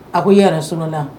A ko i yɛrɛ so la